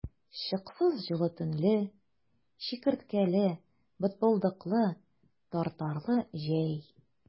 Чыксыз җылы төнле, чикерткәле, бытбылдыклы, тартарлы җәй!